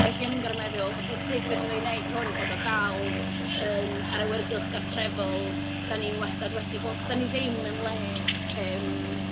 Felly o'n i'n gorfod meddwl, "ocê, sut fedrwn ni wneud hwn bod o dal yn... â'r awyrgylch gartrefol, dan ni wastad wedi bod, dan ni ddim yn le, yym...